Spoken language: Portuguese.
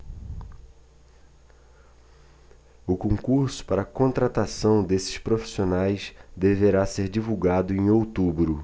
o concurso para contratação desses profissionais deverá ser divulgado em outubro